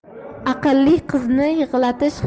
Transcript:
aqlli qizni yig'latish